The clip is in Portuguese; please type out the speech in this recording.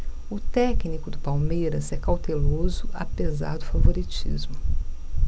o técnico do palmeiras é cauteloso apesar do favoritismo